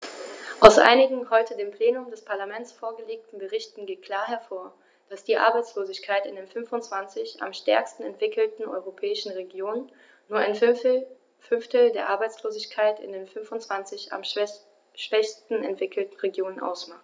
Aus einigen heute dem Plenum des Parlaments vorgelegten Berichten geht klar hervor, dass die Arbeitslosigkeit in den 25 am stärksten entwickelten europäischen Regionen nur ein Fünftel der Arbeitslosigkeit in den 25 am schwächsten entwickelten Regionen ausmacht.